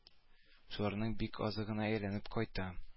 Шуларның бик азы гына әйләнеп кайта